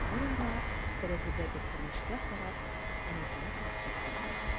Берара, тәрәзәдәге күренешкә карап, онытылып басып торды.